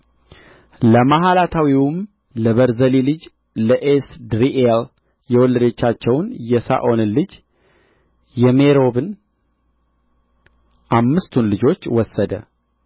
ለመሓላታዊውም ለቤርዜሊ ልጅ ለኤስድሪኤል የወለደቻቸውን የሳኦልን ልጅ የሜሮብን አምስቱን ልጆች ወሰደ